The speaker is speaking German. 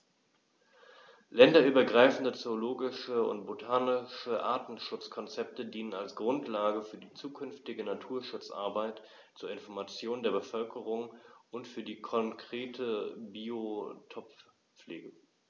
Länderübergreifende zoologische und botanische Artenschutzkonzepte dienen als Grundlage für die zukünftige Naturschutzarbeit, zur Information der Bevölkerung und für die konkrete Biotoppflege.